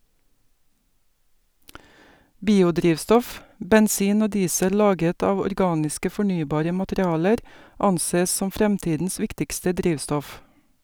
Biodrivstoff - bensin og diesel laget av organiske, fornybare materialer ansees som fremtidens viktigste drivstoff.